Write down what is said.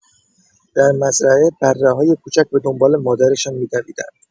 در مزرعه، بره‌های کوچک به دنبال مادرشان می‌دویدند.